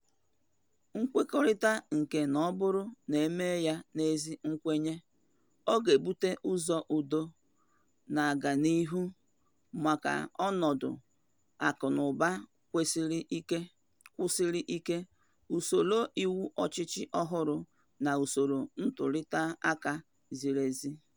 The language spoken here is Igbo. Nkwekọrịta nke na ọ bụrụ na e mee ya n'ezi nkwenye, ga-ebute ụzọ udo na-aga n'ihu maka ọnọdụ akụnaụba kwụsiri ike, usoro iwu ọchịchị ọhụrụ na usoro ntuliaka ziri ezi.